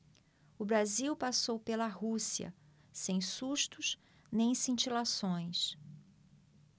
o brasil passou pela rússia sem sustos nem cintilações